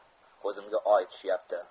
ko'zimga oy tushyapti